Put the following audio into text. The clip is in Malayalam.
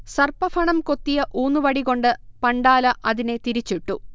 സർപ്പഫണം കൊത്തിയ ഊന്നുവടികൊണ്ട് പണ്ടാല അതിനെ തിരിച്ചിട്ടു